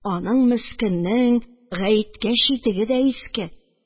Аның, мескеннең, гаеткә читеге дә иске